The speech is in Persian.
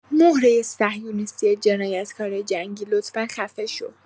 مهره صهیونیستی جنایتکار جنگی لطفا خفه شو